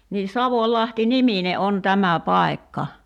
niin Savonlahti niminen on tämä paikka